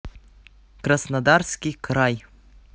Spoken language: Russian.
краснодарский край